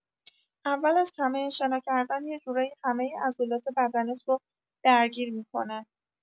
اول از همه، شنا کردن یه جورایی همه عضلات بدنت رو درگیر می‌کنه.